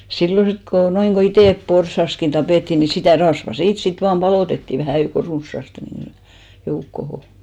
silloin sitten kun noin kun itse porsaskin tapettiin niin sitä rasvaa siitä sitten vain paloitettiin vähän joukon runsaasti niin joukkoon